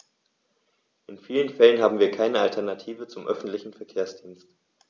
In vielen Fällen haben wir keine Alternative zum öffentlichen Verkehrsdienst.